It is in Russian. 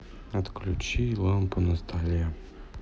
отключи лампу на столе